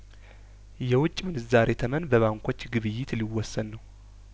የውጭ ምንዛሪ ተመን በባንኮች ግብይት ሊወሰን ነው